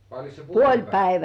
vai oliko se puolipäinen